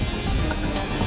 ạ